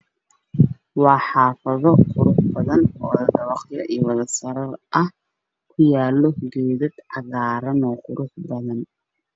Waa xaafado qurux badan oo dabaqyo iyo saraar ah ku yaallo geedad cagaaran oo qurux badan